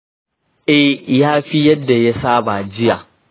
eh, ya fi yadda ya saba jiya.